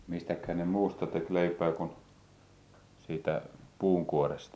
mistäköhän ne muusta teki leipää kuin siitä puun kuoresta